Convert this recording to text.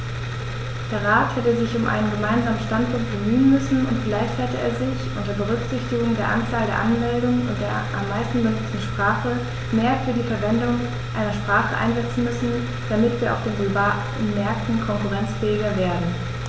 Der Rat hätte sich um einen gemeinsamen Standpunkt bemühen müssen, und vielleicht hätte er sich, unter Berücksichtigung der Anzahl der Anmeldungen und der am meisten benutzten Sprache, mehr für die Verwendung einer Sprache einsetzen müssen, damit wir auf den globalen Märkten konkurrenzfähiger werden.